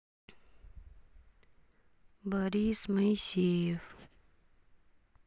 борис моисеев